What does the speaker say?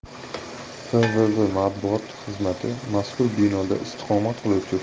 fvv matbuot xizmatimazkur binoda istiqomat qiluvchi